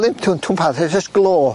w- wel ddim tw- twmpathae jyst glo.